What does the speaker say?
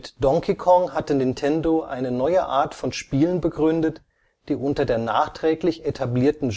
Donkey Kong hatte Nintendo eine neue Art von Spielen begründet, die unter der nachträglich etablierten